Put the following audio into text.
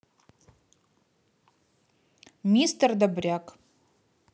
мистер добряк